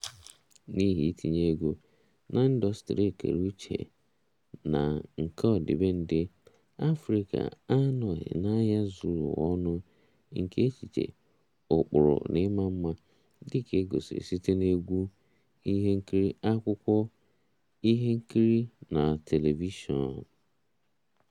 N'ihi itinye ego na ndọstrị ekere uche na nke ọdịbendị, Afrịka anọghị n'ahịa zuru ụwa ọnụ nke echiche, ụkpụrụ na ịma mma dị ka egosiri site na egwu, ihe nkiri, akwụkwọ, ihe nkiri na telivishọn.